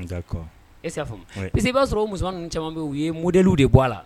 Ea b'a sɔrɔ musomannin caman ye modliw de bɔ a la